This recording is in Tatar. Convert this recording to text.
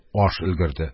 Аш өлгерде